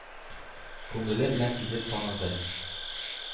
Күңеле белән сизеп таныды.